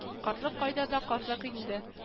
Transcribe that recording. Картлык кайда да картлык инде